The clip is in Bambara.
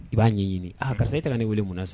I b'a ɲɛ ɲini aa karisa e tɛ ka ne weele mun sa